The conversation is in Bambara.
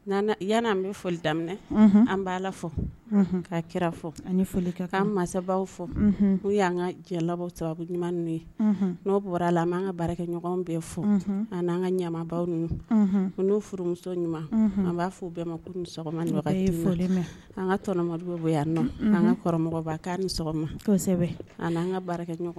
Yan' bɛ foli daminɛ an b'a la fɔ k' kira fɔ foli'an masa fɔ n y'an ka jɛ sababu ɲuman ye n'o bɔra la an'an ka baarakɛ ɲɔgɔnw bɛ fɔ an n'an ka ɲabaw n'o furumuso ɲuman an b'a fɔ sɔgɔma an ka tɔnɔnɔma bɛ bɔ yan an kaba k' ni sɔgɔma an'an ka baara ɲɔgɔn